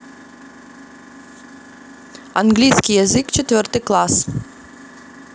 английский язык четвертый класс